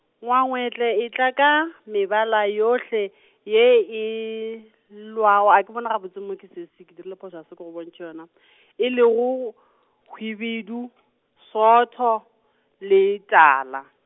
Ngwangwatle e tla ka, mebala yohle ya e lwa-, a ke bona gabotse mokwi sesi ke dirile phošo a se ke go bontšhe yona , e lego hubedu , sootho, le tala.